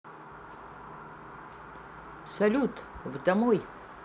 салют в домой